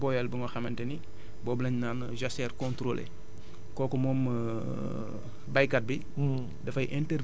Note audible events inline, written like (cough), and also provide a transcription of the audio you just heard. am na tamit beneen xeetu booyal bu nga xamante ni boobu la ñu naan jachère contpolé kooku moom (hesitation) baykat bi